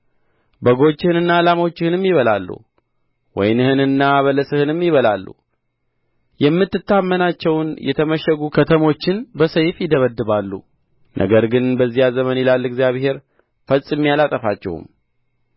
በጎችህንና ላሞችህንም ይበላሉ ወይንህንና በለስህንም ይበላሉ የምትታመናቸውን የተመሸጉ ከተሞችን በሰይፍ ይደበድባሉ ነገር ግን በዚያ ዘመን ይላል እግዚአብሔር ፈጽሜ አላጠፋችሁም